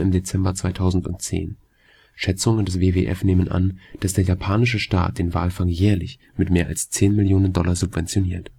Dezember 2010. Schätzungen des WWF nehmen an, dass der japanische Staat den Walfang jährlich mit mehr als 10 Millionen Dollar subventioniert